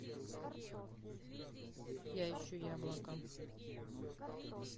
я ищу яблоко